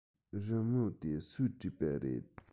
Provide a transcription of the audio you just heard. རི མོ དེ སུས བྲིས པ རེད